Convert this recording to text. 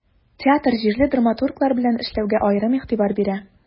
Театр җирле драматурглар белән эшләүгә аерым игътибар бирә.